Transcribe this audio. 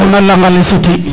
xana langa le soti